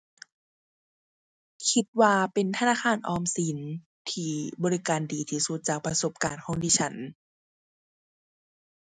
คิดว่าเป็นธนาคารออมสินที่บริการดีที่สุดจากประสบการณ์ของดิฉัน